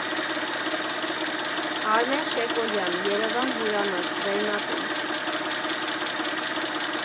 Արմեն Շեկոյան, «Երևան հյուրանոց», Վերնատուն։